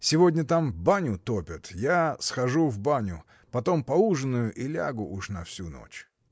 Сегодня там баню топят: я схожу в баню, потом поужинаю и лягу уж на всю ночь.